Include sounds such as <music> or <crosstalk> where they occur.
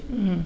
<hesitation> <hesitation>